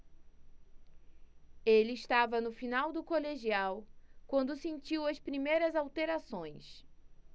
ele estava no final do colegial quando sentiu as primeiras alterações